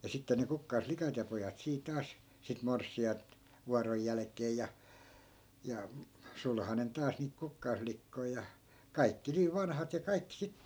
ja sitten ne kukkaslikat ja pojat siinä taas sitten morsianta vuoron jälkeen ja ja sulhanen taas niitä kukkaslikkoja ja kaikki niin vanhat ja kaikki sitten